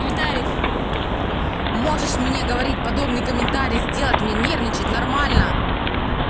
можешь мне говорит подобный комментарий сделать мне нервничать нормально